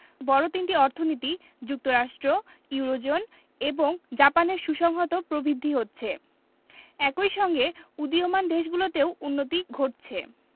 বড় তিনটি অর্থনীতি যুক্তরাষ্ট্র ইউরোজোন এবং জাপানের সুসংহত প্রবৃদ্ধি হচ্ছে একই সঙ্গে উদীয়মান দেশগুলোতেও উন্নতি ঘটছে